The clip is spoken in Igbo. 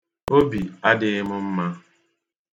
Obi adịghị m mma.